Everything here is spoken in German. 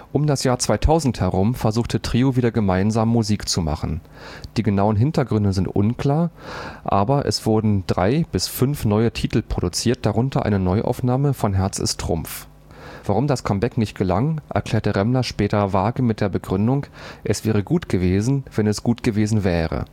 Um das Jahr 2000 herum versuchte Trio wieder gemeinsam Musik zu machen. Die genauen Hintergründe sind unklar, aber es wurden drei bis fünf neue Titel produziert, darunter eine Neuaufnahme von „ Herz ist Trumpf “. Warum das Comeback nicht gelang, erklärte Remmler später vage mit der Begründung: „ Es wäre gut gewesen, wenn es gut gewesen wäre